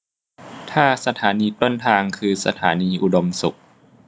ถ้าสถานีต้นทางคือสถานีอุดมสุข